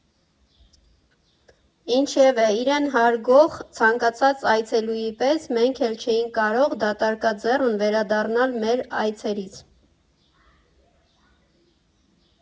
Ինչևէ, իրեն հարգող ցանկացած այցելուի պես մենք էլ չէինք կարող դատարկաձեռն վերադառնալ մեր այցերից։